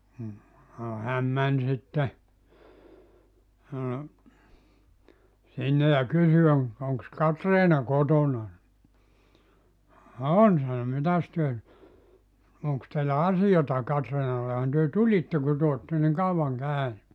mm sanoi hän meni sitten sinne ja kysyi - onkos Katriina kotona niin on sanoi mitäs te nyt onkos teillä asiaa Katriinallehan te tulitte kun te olette niin kauan käynyt